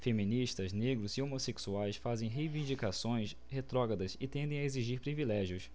feministas negros e homossexuais fazem reivindicações retrógradas e tendem a exigir privilégios